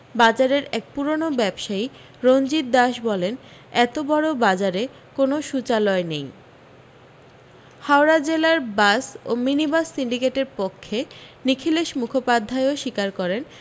বাজারের এক পুরনো ব্যবসায়ী রঞ্জিত দাস বলেন এত বড় বাজারে কোথাও শুচালয় নেই হাওড়া জেলার বাস ও মিনিবাস সিণ্ডিকেটের পক্ষে নিখিলেশ মুখোপাধ্যায়ও স্বীকার করেন